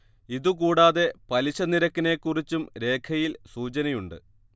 ഇതുകൂടാതെ പലിശ നിരക്കിനെക്കുറിച്ചും രേഖയിൽ സൂചനയുണ്ട്